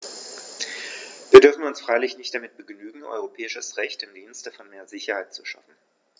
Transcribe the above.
Wir dürfen uns freilich nicht damit begnügen, europäisches Recht im Dienste von mehr Sicherheit zu schaffen.